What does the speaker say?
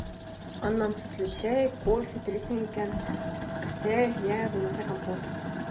Аннан сөтле чәй, кофе, телисең икән – кесәл, йә булмаса компот.